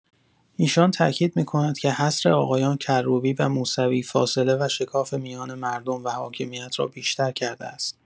ایشان تاکید می‌کند که حصر آقایان کروبی و موسوی فاصله و شکاف میان مردم و حاکمیت را بیشتر کرده است.